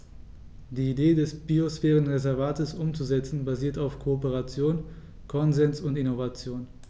Die Idee des Biosphärenreservates umzusetzen, basiert auf Kooperation, Konsens und Innovation.